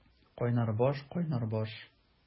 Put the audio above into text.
Кайнар баш, кайнар баш!